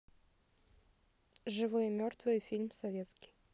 живые мертвые фильм советский